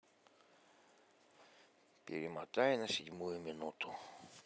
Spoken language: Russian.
перемотай на седьмую минуту